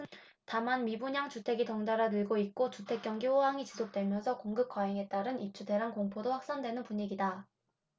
다만 미분양 주택이 덩달아 늘고 있고 주택경기 호황이 지속되면서 공급과잉에 따른 입주대란 공포도 확산되는 분위기다